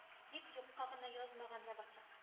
Дип юкка гына язмаган лабаса